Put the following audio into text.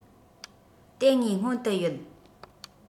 དེ ངའི སྔོན དུ ཡོད